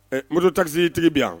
Ɛ moto-taxi tigi bɛ yan